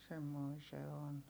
semmoinen se on